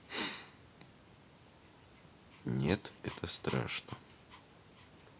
нет это страшно